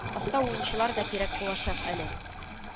Оста уенчылар да кирәк булачак әле